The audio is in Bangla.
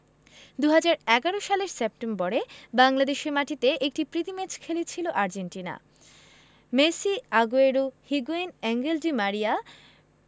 ২০১১ সালের সেপ্টেম্বরে বাংলাদেশের মাটিতে একটি প্রীতি ম্যাচ খেলেছিল Argentina Messi Aguero Higuain Angel Di মারিয়া